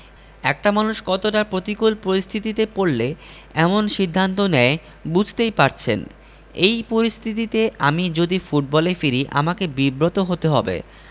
একটা মানুষ কতটা প্রতিকূল পরিস্থিতিতে পড়লে এমন সিদ্ধান্ত নেয় বুঝতেই পারছেন এই পরিস্থিতিতে আমি যদি ফুটবলে ফিরি আমাকে বিব্রত হতে হবে